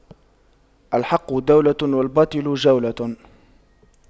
الحق دولة والباطل جولة